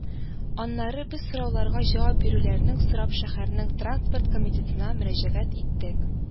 Аннары без сорауларга җавап бирүләрен сорап шәһәрнең Транспорт комитетына мөрәҗәгать иттек